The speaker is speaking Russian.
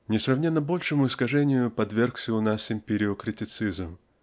Несравненно большему искажению подвергся у нас эмпириокритицизм.